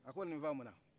a ko nin famuna